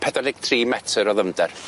pedwar deg tri meter o ddyfnder.